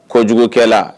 Kɔ jugukɛla la